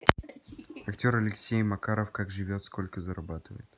актер алексей макаров как живет сколько зарабатывает